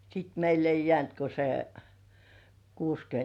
sitten meille ei jäänyt kuin se kuusikymmentä